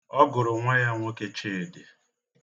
Ọ gụrụ nwa ya nwoke Chidị.